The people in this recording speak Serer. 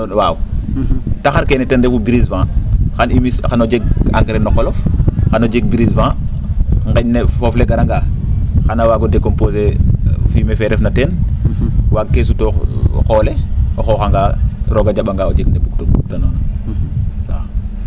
waaw taxar keene den ndefu brise vent xan i mbis xano jeg engrais no qolof xano jeg brise vent ?eñ ne foop le garanga xana waag o decomposer fumier fee refna teen waag kee sutoox qol le o xooxanga roog a ja?anga o jeg ne bugtoona waaw